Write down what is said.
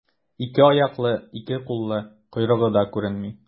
Ике аяклы, ике куллы, койрыгы да күренми.